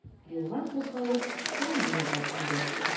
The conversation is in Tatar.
Юлга кузгалып, Самареяга килде.